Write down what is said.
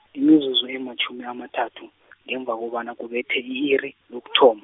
e- mizuzu ematjhumi amathathu , ngemva kobana kubethe i-iri, lokuthoma.